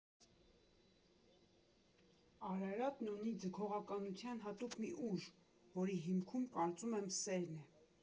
Արարատն ունի ձգողականության հատուկ մի ուժ, որի հիմքում, կարծում եմ, սերն է։